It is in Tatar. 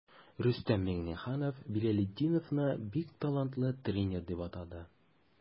Рөстәм Миңнеханов Билалетдиновны бик талантлы тренер дип атады.